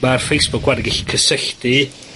Ma'r Facebook 'wan yn gellu cysylltu,